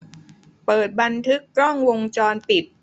เปิดบันทึกกล้องวงจรปิด